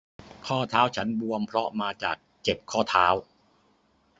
ข้อเท้าฉับบวมเพราะมาจากเจ็บข้อเท้า